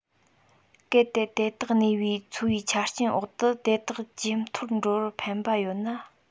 གལ ཏེ དེ དག གནས པའི འཚོ བའི ཆ རྐྱེན འོག ཏུ དེ དག ཇེ མཐོར འགྲོ བར ཕན པ ཡོད ན